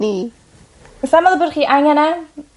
ni. Wel sai'n meddwl bo ychi angen e. M-